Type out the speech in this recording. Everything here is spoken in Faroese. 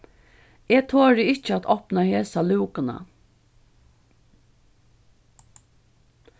eg tori ikki at opna hesa lúkuna